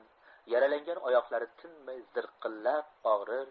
yaralangan oyoqlari tinmay ziqillab og'rir